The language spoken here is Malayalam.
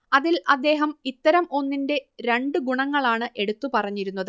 അതിൽ അദ്ദേഹം ഇത്തരം ഒന്നിന്റെ രണ്ട് ഗുണങ്ങളാണ് എടുത്തു പറഞ്ഞിരുന്നത്